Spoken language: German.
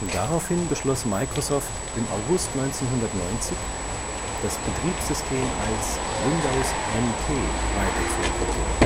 Daraufhin beschloss Microsoft im August 1990, das Betriebssystem als „ Windows NT “weiterzuentwickeln